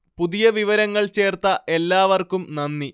പുതിയ വിവരങ്ങൾ ചേർത്ത എല്ലാവർക്കും നന്ദി